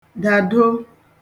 dàdo